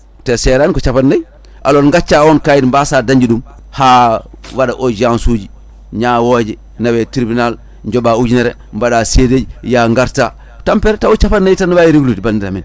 te serani ko capannayyi alors gacca on kayit mbasa dañde ɗum ha waɗa audience suji ñawoje nawe tribunal jooɓa ujunere mbaɗa seedeji ya garta tapere tawa capannayyi ne wawi régle ude bandam en